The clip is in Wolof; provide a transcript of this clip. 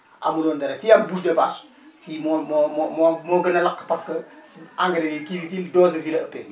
amuloon dara kii am bouse de vache kii moom moo moo moo moo gën a lakk parce que engrais yi kii bi kii bi dose bi fii la ëppee